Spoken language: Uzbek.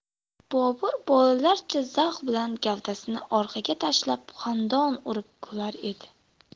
bobur bolalarcha zavq bilan gavdasini orqaga tashlab xandon urib kular edi